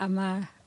A ma'